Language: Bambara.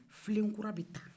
filenkura bɛ ta